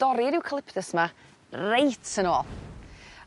dorri'r eucalyptus 'ma reit yn ôl.